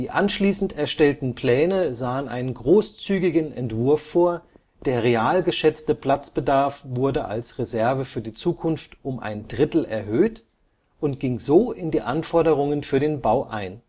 anschließend erstellten Pläne sahen einen großzügigen Entwurf vor, der real geschätzte Platzbedarf wurde als Reserve für die Zukunft um ein Drittel erhöht und ging so in die Anforderungen für den Bau ein